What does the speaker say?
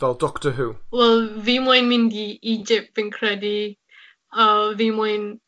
Fel Doctor Who. Wel fi moyn mynd i Egypt fi'n credu, a fi moyn